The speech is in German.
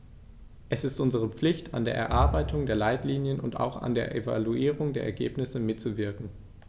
Es ist unsere Pflicht, an der Erarbeitung der Leitlinien und auch an der Evaluierung der Ergebnisse mitzuwirken.